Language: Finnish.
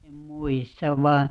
en muista vain